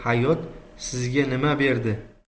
hayot sizga nima berdi